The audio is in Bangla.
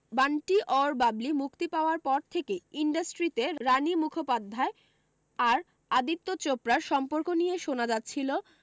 বান্টি ঔর বাবলি মুক্তি পাওয়ার পর থেকেই ইণডাস্ট্রিতে রানি মুখোপাধ্যায় আর আদিত্য চোপড়ার সম্পর্ক নিয়ে শোনা যাচ্ছিল